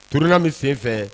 -- Tournant min sen fɛ